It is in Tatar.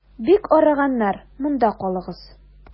Бик арыганнар, монда калыгыз.